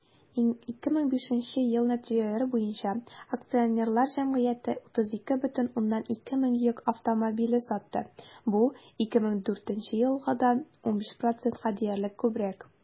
2005 ел нәтиҗәләре буенча акционерлар җәмгыяте 32,2 мең йөк автомобиле сатты, бу 2004 елдагыдан 15 %-ка диярлек күбрәк.